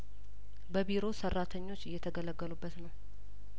በቢሮው ሰራተኞች እየተገለገሉበት ነው